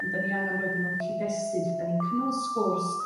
Ond dyn ni angan roid o mewn cyd destun lle dyn ni'n cynnal y sgwrs